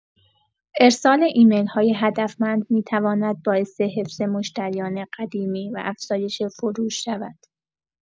ارسال ایمیل‌های هدفمند می‌تواند باعث حفظ مشتریان قدیمی و افزایش فروش شود.